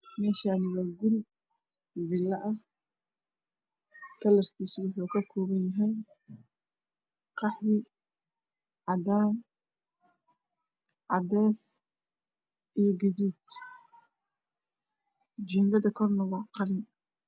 Meshan waa guri filo ah kalarkis waa qahwi io cadn io cadees iogaduud jigad koro waa qalin